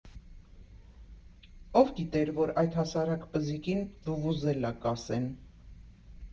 Ո՞վ գիտեր, որ այդ հասարակ պզիկին վուվուզելա կասեն։